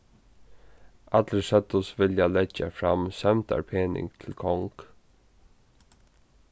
allir søgdust vilja leggja fram sømdarpening til kong